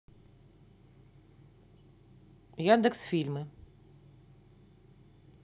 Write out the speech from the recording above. яндекс фильмы